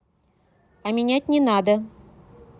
а менять не надо